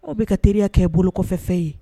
Aw bɛ ka teriya kɛ bolo kɔfɛ fɛ ye